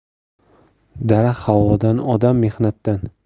daraxt havodan odam mehnatdan